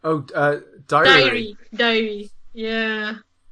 Oh d- yy diary. Diary, diary, ie.